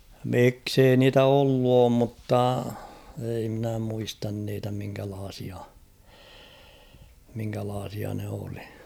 miksi ei niitä ollut ole mutta ei minä muista niitä minkälaisia minkälaisia ne oli